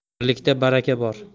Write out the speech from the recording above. birlikda baraka bor